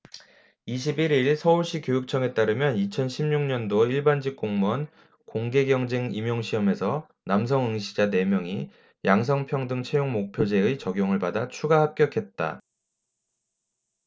이십 일 일 서울시교육청에 따르면 이천 십 육 년도 일반직공무원 공개경쟁임용시험에서 남성 응시자 네 명이 양성평등채용목표제의 적용을 받아 추가 합격했다